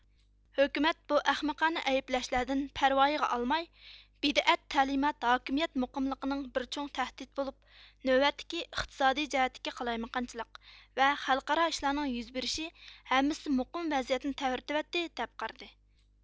ھۆكۈمەت بۇ ئەخمىقانە ئەيىبلەشلەردىن پەرۋايىغا ئالماي بىدئەت تەلىمات ھاكىمىيەت مۇقىملىقىنىڭ بىر چوڭ تەھدىت بولۇپ نۆۋەتتىكى ئىقتىسادىي جەھەتتىكى قالايمىقانچىلىق ۋە خەلقئارا ئىشلارنىڭ يۈز بېرىشى ھەممىسى مۇقىم ۋەزىيەتنى تەۋرىتىۋەتتى دەپ قارىدى